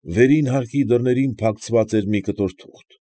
Վերին հարկի դռներին փակցված էր մի կտոր թուղթ։